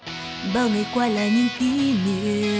bao ngày qua là những kỉ